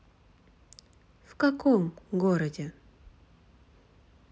в каком городе